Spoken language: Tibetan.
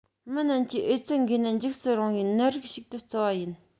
མི རྣམས ཀྱིས ཨེ ཙི འགོས ནད འཇིགས སུ རུང བའི ནད རིགས ཞིག ཏུ བརྩི བ ཡིན